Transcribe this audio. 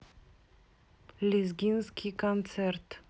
лезгинский концерт